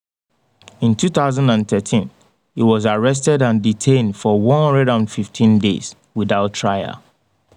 In 2013, he was arrested and detained for 115 days without trial.